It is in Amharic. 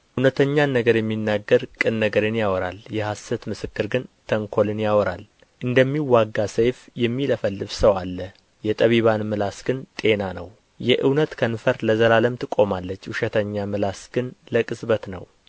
እውነተኛን ነገር የሚናገር ቅን ነገርን ያወራል የሐሰት ምስክር ግን ተንኰልን ያወራል እንደሚዋጋ ሰይፍ የሚለፈልፍ ሰው አለ የጠቢባን ምላስ ግን ጤና ነው የእውነት ከንፈር ለዘላለም ትቆማለች ውሸተኛ ምላስ ግን ለቅጽበት ነው